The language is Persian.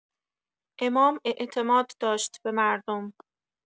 امام اعتماد داشت به مردم.